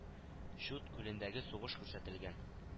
Чуд күлендәге сугыш күрсәтелгән